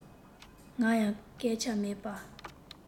ང ཡང སྐད ཆ མེད པར